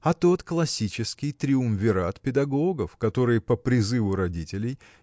А тот классический триумвират педагогов которые по призыву родителей